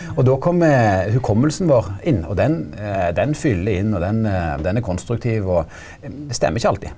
og då kjem hukommelsen vår inn og den den fyller inn og den den er konstruktiv og stemmer ikkje alltid.